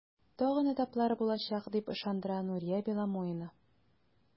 Тагын этаплары булачак, дип ышандыра Нурия Беломоина.